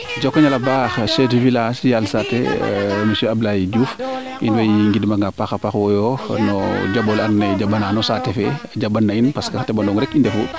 njoka njal a paax chef du village yal saate monsieur ablaye Diouf in way ngid mang a paax paax wo o no jambole ando naye jamba naano saate fe jamband na in parce que xa teɓanong rek i ndefu